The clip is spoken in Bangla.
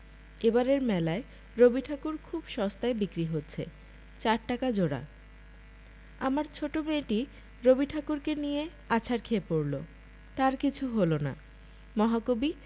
এবারের মেলায় রবিঠাকুর খুব সস্তায় বিক্রি হচ্ছে চার টাকা জোড়া আমার ছোট মেয়েটি রবিঠাকুরকে নিয়ে আছাড় খেয়ে পড়ল তার কিছু হল না মহাকবি